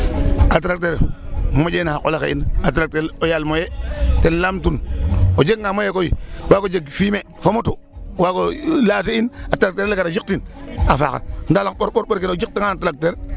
AA tracteur moƴee na xa qol axe in tracteur yaal moyens ten laemtun o jeganga moyen koy waag o jeg fumier fa motu waag o lancer in a tracteur ale gara jiqtin a faaxa .